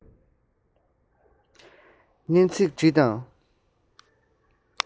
སྙན ཚིག བྲིས དང